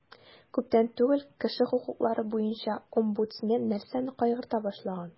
Күптән түгел кеше хокуклары буенча омбудсмен нәрсәне кайгырта башлаган?